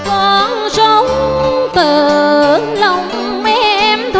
con sóng thở lòng em